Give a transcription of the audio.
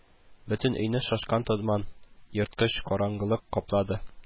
Бөтен өйне шашкан томан, ерткыч караңгылык каплады